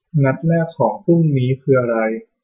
นัดแรกของพรุ่งนี้นี้คืออะไร